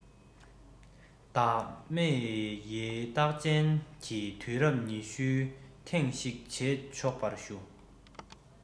བདག མེལ ཡའི རྟགས ཅན གྱི དུས རབས ཉི ཤུའི ཐེངས ཤིག བྱེད ཆོག པར ཞུ